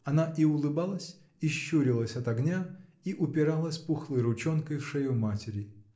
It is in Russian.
она и улыбалась, и щурилась от огня, и упиралась пухлой ручонкой в шею матери.